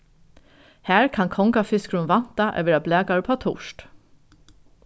har kann kongafiskurin vænta at vera blakaður uppá turt